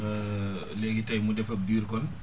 léegi tey mu def ab diir kon